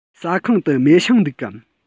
ཟ ཁང དུ མེ ཤིང འདུག གམ